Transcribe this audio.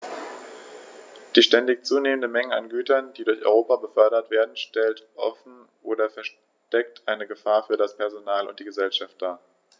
Die ständig zunehmende Menge an Gütern, die durch Europa befördert werden, stellt offen oder versteckt eine Gefahr für das Personal und die Gesellschaft dar.